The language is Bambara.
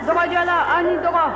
dɔgɔjɔlaw aw ni dɔgɔ